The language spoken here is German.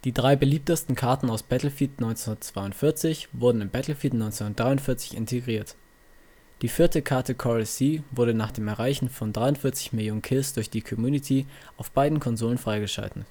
drei beliebtesten Karten aus Battlefield 1942 wurden in Battlefield 1943 integriert. Die vierte Karte Coral Sea wurde nach dem Erreichen von 43 Millionen Kills durch die Community auf beiden Konsolen freigeschaltet